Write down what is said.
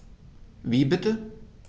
Wie bitte?